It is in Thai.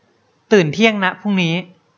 ตื่นเที่ยงนะพรุ่งนี้